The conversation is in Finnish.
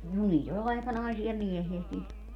no niitä oli aikanaisia miehiä sitten niitä